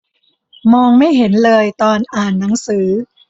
มองไม่เห็นเลยตอนอ่านหนังสือ